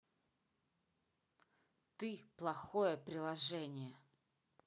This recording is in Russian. ты плохое приложение